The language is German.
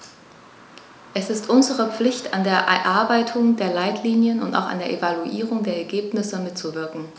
Es ist unsere Pflicht, an der Erarbeitung der Leitlinien und auch an der Evaluierung der Ergebnisse mitzuwirken.